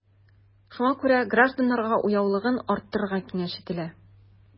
Шуңа күрә гражданнарга уяулыгын арттырыга киңәш ителә.